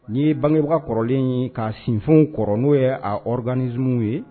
Nin ye bangebaga kɔrɔlen ka sinsin kɔrɔ n'o ye a rkani zunw ye